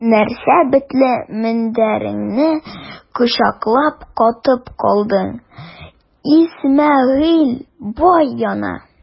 Нәрсә бетле мендәреңне кочаклап катып калдың, Исмәгыйль бай яна!